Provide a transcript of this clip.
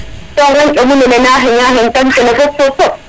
fo ŋeñ ndomu nene na xeña xeñ tang kene fop fop fop